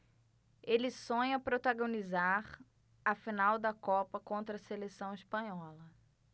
ele sonha protagonizar a final da copa contra a seleção espanhola